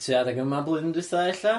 Tua adeg yma blwyddyn dwytha ella?